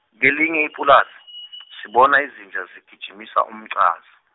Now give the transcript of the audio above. kelinye ipulasi , sibona izinja zigijimisa umqasa.